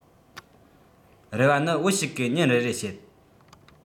རེ བ ནི བུ ཞིག གིས ཉིན རེ རེ བཤད